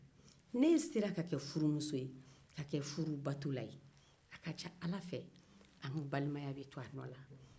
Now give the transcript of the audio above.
ni e sera ka kɛ furubatola ye a ka ca ala fɛ an balimaya bɛ to a no na